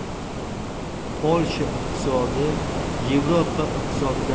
polsha iqtisodi yevropa ittifoqidagi